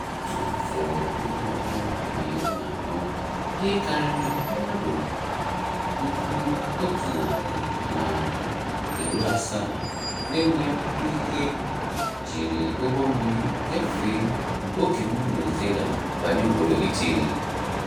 N'afọ 2014, ihe karịrị mmadụ 170,000 n'enweghị akwụkwọ ikike jiri ụgbọmmiri gafee oké osimiri Mediterranean banye obodo Italy.